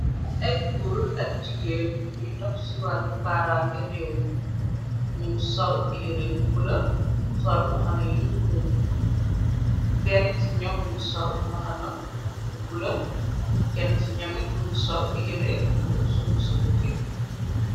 Ay guur ak jigéen yuy tox ci wàll karangi réew mit. Nyingi sol yere yu bula sol mbaxana yu nuun benn ci ñoom mingi sol mbaxana bu bula. Kenn ci ñomit mingi sol yëre bu sung ci bukke.